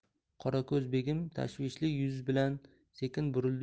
qorako'z begim tashvishli yuz bilan sekin burildi